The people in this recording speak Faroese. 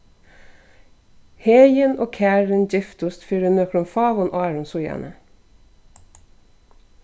heðin og karin giftust fyri nøkrum fáum árum síðani